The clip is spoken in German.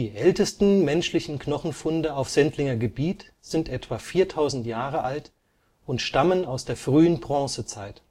ältesten menschlichen Knochenfunde auf Sendlinger Gebiet sind etwa 4000 Jahre alt und stammen aus der frühen Bronzezeit